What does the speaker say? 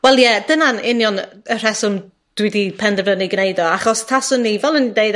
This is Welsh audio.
Wel ie, dyna'n union y rheswm dwi 'di penderfynu gneud o, achos taswn i, fel o'n i'n deud